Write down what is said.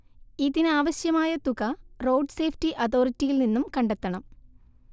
ഇതിനാവശ്യമായ തുക road safety അതോറിറ്റിയിൽ നിന്നും കണ്ടെത്തണം